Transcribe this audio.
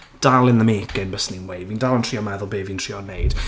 Dal in the making byswn i'n weud. Fi'n dal yn trio meddwl be fi'n trio wneud.